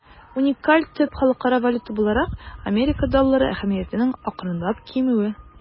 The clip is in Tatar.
Уникаль төп халыкара валюта буларак Америка доллары әһәмиятенең акрынлап кимүе.